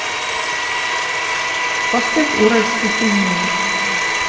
поставь уральские пельмени